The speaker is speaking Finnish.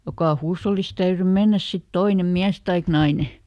joka huushollissa täytyi mennä sitten toinen mies tai nainen